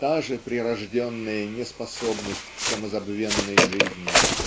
та же прирожденная неспособность к самозабвенной жизни.